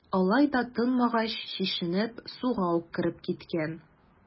Алай да тынмагач, чишенеп, суга ук кереп киткән.